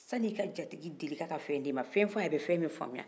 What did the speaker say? sanin ka jatigi deli k'a ka fɛ d'i ma fɛ f'a ye a bɛ fɛn min famuya